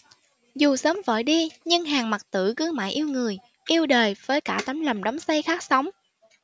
dù sớm vội đi nhưng hàn mặc tử cứ mãi yêu người yêu đời với cả tấm lòng đắm say khát sống